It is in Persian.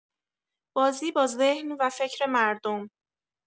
بازی با ذهن و فکر مردم